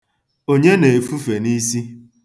Onye na-efufe n'isi?